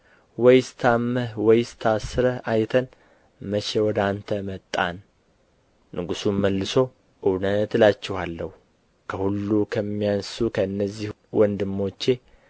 ወይስ ታመህ ወይስ ታስረህ አይተን መቼ ወደ አንተ መጣን ንጉሡም መልሶ እውነት እላችኋለሁ ከሁሉ ከሚያንሱ ከእነዚህ ወንድሞቼ